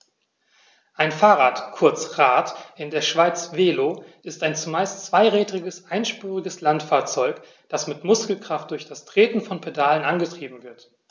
Ein Fahrrad, kurz Rad, in der Schweiz Velo, ist ein zumeist zweirädriges einspuriges Landfahrzeug, das mit Muskelkraft durch das Treten von Pedalen angetrieben wird.